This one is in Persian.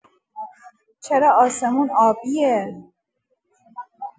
چرا آسمون آبیه؟